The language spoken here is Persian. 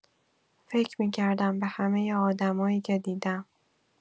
فکر می‌کردم به همه آدمایی که دیدم.